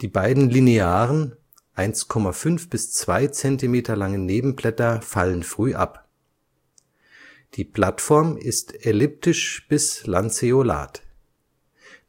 Die beiden linearen, 1,5 bis zwei Zentimeter langen Nebenblätter fallen früh ab. Die Blattform ist elliptisch bis lanzeolat,